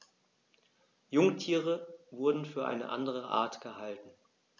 Jungtiere wurden für eine andere Art gehalten.